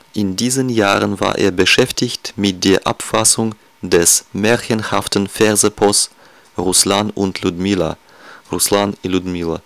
In diesen Jahren war er beschäftigt mit der Abfassung des märchenhaften Versepos Ruslan und Ljudmila (Руслан